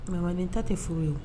Mama ta tɛ furu ye